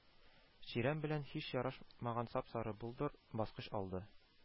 Чирәм белән һич ярашмаган сап-сары болдыр, баскыч алды